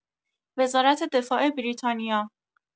وزارت دفاع بریتانیا